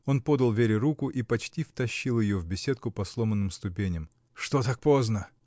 Он подал Вере руку и почти втащил ее в беседку по сломанным ступеням. — Что так поздно?